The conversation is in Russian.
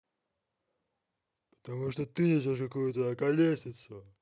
потому что несешь какую то околесицу